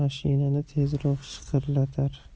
mashinani tezroq shiqirlatar